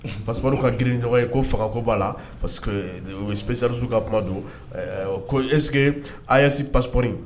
Pasp ka grinɔgɔ ye ko fagako b'a la querisu ka kuma don ko ese asi pasp